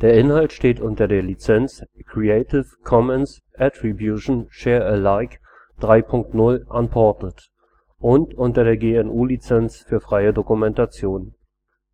Der Inhalt steht unter der Lizenz Creative Commons Attribution Share Alike 3 Punkt 0 Unported und unter der GNU Lizenz für freie Dokumentation.